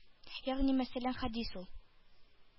-ягъни мәсәлән, хәдис ул,